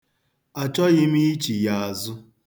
Achọghị m ichigha azụ.